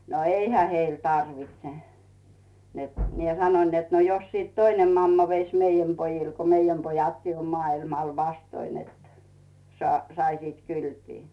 no eihän heille tarvitse että minä sanoin että no jos sitten toinen mamma veisi meidän pojille kun meidän pojatkin on maailmalla vastoja että - saisivat kylpeä